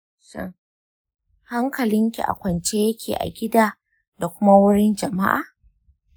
shin hankalin ki a kwance yake a gida da kuma wurin jama'a.